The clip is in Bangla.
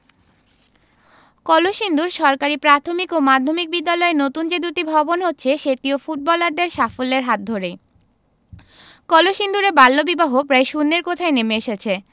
কলসিন্দুর সরকারি প্রাথমিক ও মাধ্যমিক বিদ্যালয়ে নতুন যে দুটি ভবন হচ্ছে সেটিও ফুটবলারদের সাফল্যের হাত ধরেই কলসিন্দুরে বাল্যবিবাহ প্রায় শূন্যের কোঠায় নেমে এসেছে